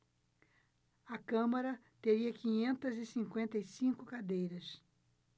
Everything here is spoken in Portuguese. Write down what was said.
a câmara teria quinhentas e cinquenta e cinco cadeiras